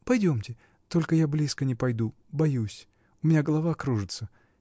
— Пойдемте, только я близко не пойду, боюсь. У меня голова кружится.